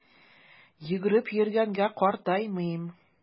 Йөгереп йөргәнгә картаймыйм!